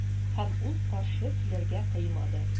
Һәм ул каршы килергә кыймады.